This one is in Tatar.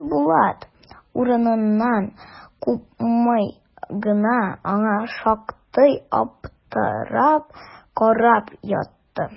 Айбулат, урыныннан купмый гына, аңа шактый аптырап карап ятты.